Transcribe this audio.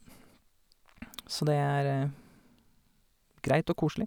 Så det er greit og koselig.